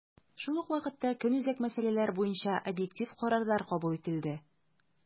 Шул ук вакытта, көнүзәк мәсьәләләр буенча объектив карарлар кабул ителде.